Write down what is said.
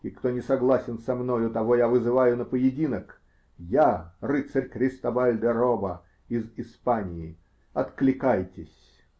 И кто не согласен со мною, того я вызываю на поединок -- я, рыцарь Кристобаль де Роба из Испании. Откликайтесь!